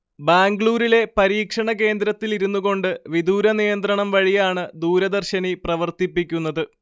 ബാംഗ്ലൂരിലെ പരീക്ഷണ കേന്ദ്രത്തിലിരുന്നുകൊണ്ട് വിദൂരനിയന്ത്രണം വഴിയാണ് ദൂരദർശിനി പ്രവർത്തിപ്പിക്കുന്നത്